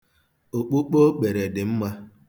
Okpukpe o kpere dị mma.